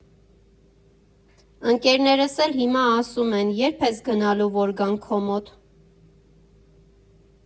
Ընկերներս էլ հիմա ասում են՝ երբ ես գնալու, որ գանք քո մոտ։